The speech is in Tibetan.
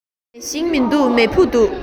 མེ ཤིང མི འདུག མེ ཕུ འདུག